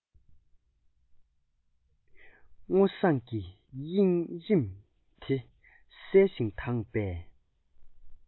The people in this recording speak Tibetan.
སྔོ བསངས ཀྱི དབྱིངས རིམ དེ གསལ ཞིང དྭངས པས